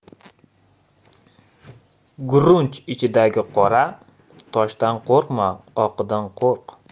gurunch ichidagi qora toshdan qo'rqma oqidan qo'rq